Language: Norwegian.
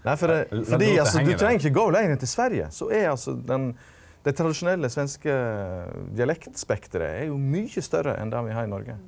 nei for det fordi altso du trenger ikkje gå lenger enn til Sverige så er altso den dei tradisjonelle svenske dialektspekteret er jo mykje større enn det me har i Noreg.